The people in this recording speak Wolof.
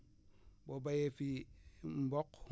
boo bayee fii mboq